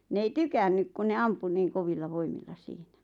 ne ei tykännyt kun ne ampui niin kovilla voimilla siinä